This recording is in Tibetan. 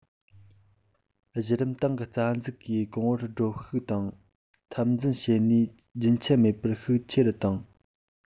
གཞི རིམ ཏང གི རྩ འཛུགས ཀྱི གོང བུར སྒྲིལ ཤུགས དང འཐབ འཛིང བྱེད ནུས རྒྱུན ཆད མེད པར ཤུགས ཆེ རུ བཏང